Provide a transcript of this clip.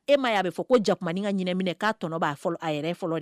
E m ma y'a bɛ fɔ ko jakumamaniin ka ɲininminɛ k'a tɔ b'a fɔ a yɛrɛ fɔlɔ de